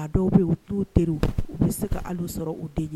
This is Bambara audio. A dɔw bɛ u y 'u teri ye u bɛ se ka ali u sɔrɔ u de yen